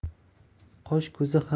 qosh ko'zi ham